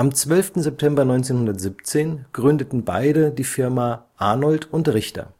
12. September 1917 gründeten beide die Firma Arnold & Richter